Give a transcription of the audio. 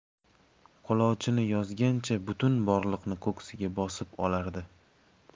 qulochini yozgancha butun borliqni ko'ksiga bosib olardi